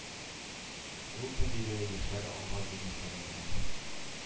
Клуб мөдире, яшьләр аңа бу мәсьәлә белән